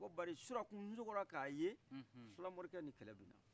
a ko bari surɔ kun n sukɔ la ka a ye filamorikɛ ni kɛlɛ bɛ na